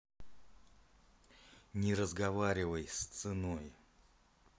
не разговаривай с ценой